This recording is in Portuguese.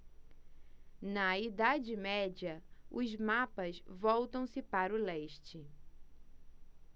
na idade média os mapas voltam-se para o leste